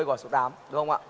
hỏi số tám đúng không ạ